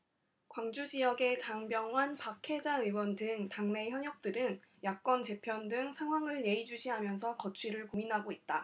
광주지역의 장병완 박혜자 의원 등 당내 현역들은 야권 재편 등 상황을 예의주시하면서 거취를 고민하고 있다